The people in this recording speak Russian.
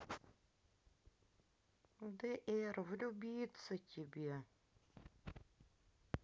dr влюбиться тебе